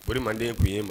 manden tun ye ma